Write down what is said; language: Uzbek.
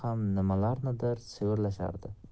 ham nimalarnidir shivirlashardi